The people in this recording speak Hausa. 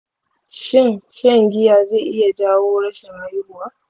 shin shan giya zai iya jawo rashin haihuwa?